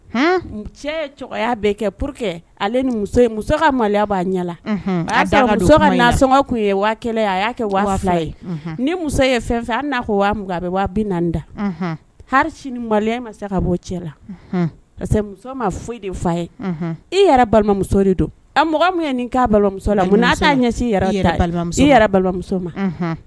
Kɛ ale b'a ɲɛ'a kɛ fila ye ni muso ye fɛn fɛ an n'a bi na da ni malo ma se ka bɔ cɛ la ma foyi de fa ye i yɛrɛ balimamuso de don an mɔgɔ min nin' balimamuso ɲɛ balimamuso ma